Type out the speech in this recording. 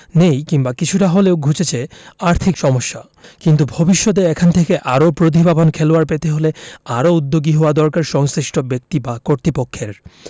নেই কিংবা কিছুটা হলেও ঘুচেছে আর্থিক সমস্যা কিন্তু ভবিষ্যতে এখান থেকে আরও প্রতিভাবান খেলোয়াড় পেতে হলে আরও উদ্যোগী হওয়া দরকার সংশ্লিষ্ট ব্যক্তি বা কর্তৃপক্ষের